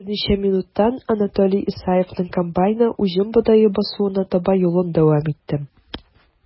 Берничә минуттан Анатолий Исаевның комбайны уҗым бодае басуына таба юлын дәвам итте.